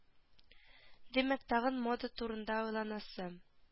Димәк тагын мода турында уйланасы